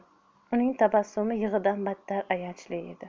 uning tabassumi yig'idan battar ayanchli edi